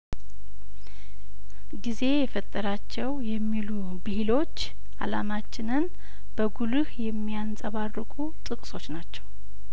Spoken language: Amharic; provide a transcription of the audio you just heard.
ጊዜ የፈጠራቸው የሚሉ ብሂሎች አላማችንን በጉልህ የሚያንጸባርቁ ጥቅሶች ናቸው